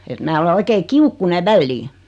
että minä olen oikein kiukkuinen väliin